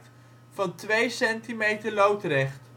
twee centimeter loodrecht